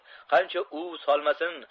qancha uv solmasin